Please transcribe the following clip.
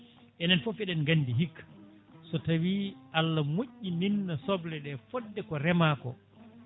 enen foof eɗen gandi hikka so tawi Allah moƴƴi min sobleɗe fodde ko remako